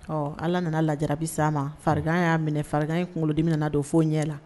Ɔ ala nana lajarabi san ma fara y'a minɛ fara in kunkolodimin nana don fo n ɲɛ la